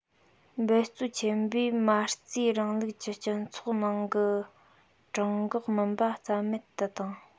འབད བརྩོན ཆེན པོས མ རྩའི རིང ལུགས ཀྱི སྤྱི ཚོགས ནང གི དྲང གག མིན པ རྩ མེད དུ བཏང